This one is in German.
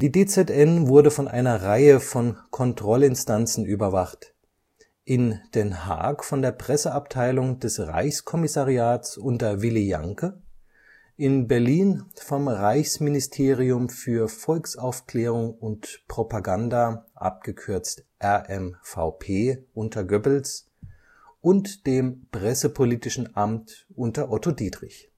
DZN wurde von einer Reihe von Kontrollinstanzen überwacht: in Den Haag von der Presseabteilung des Reichskommissariats unter Willi Janke, in Berlin vom Reichsministerium für Volksaufklärung und Propaganda (RMVP) unter Goebbels und dem Pressepolitischen Amt unter Otto Dietrich